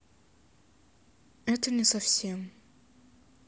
это не совсем